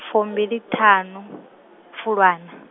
fumbiliṱhanu, Fulwana.